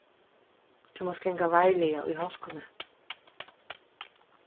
tú mást ganga varliga í hálkuni